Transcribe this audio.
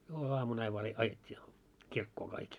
jouluaamuna vain vain - ajettiin kirkkoon kaikki